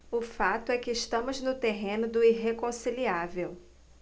o fato é que estamos no terreno do irreconciliável